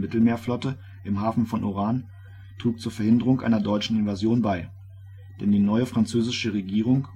Mittelmeerflotte im Hafen von Oran trug zur Verhinderung einer deutschen Invasion bei. Denn die neue französische Regierung